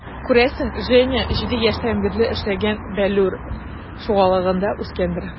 Күрәсең, Женя 7 яшьтән бирле эшләгән "Бәллүр" шугалагында үскәндер.